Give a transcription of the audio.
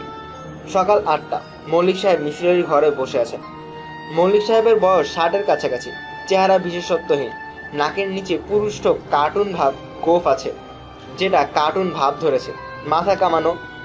সকাল আটটা মল্লিক সাহেব মিসির আলির ঘরে বসে আছেন মল্লিক সাহেবের বয়স ষাটের কাছাকাছি। চেহারা বিশেষত্বহীন নাকের নিচে পুরুষ্টু কাটুন ভাব গোঁফ আছে যেটা কাটুন ভাব দরেছে মাথা কামানাে